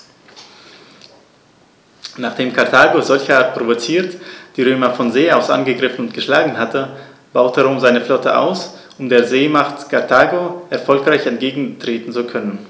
Nachdem Karthago, solcherart provoziert, die Römer von See aus angegriffen und geschlagen hatte, baute Rom seine Flotte aus, um der Seemacht Karthago erfolgreich entgegentreten zu können.